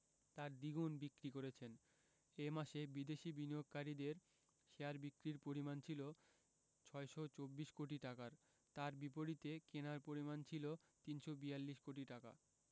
তার দ্বিগুণ বিক্রি করেছেন এ মাসে বিদেশি বিনিয়োগকারীদের শেয়ার বিক্রির পরিমাণ ছিল ৬২৪ কোটি টাকার তার বিপরীতে কেনার পরিমাণ ছিল ৩৪২ কোটি টাকা